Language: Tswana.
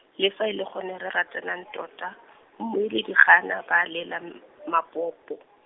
le fa e le gone re ratanang tota, mmueledi ga a na a na ba a lela, m- mapopo.